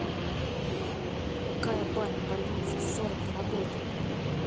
какая баня больница сорок не работает